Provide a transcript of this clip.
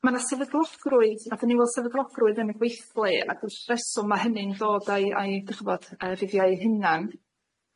Ma' 'na sefydlogrwydd, nathon ni weld sefydlogrwydd yn y gweithle ag yw'r reswm ma' hynny'n ddod a'i a'i dych ch'mod a'i fuddiau eu hunan?